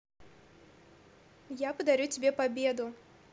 я подарю тебе победу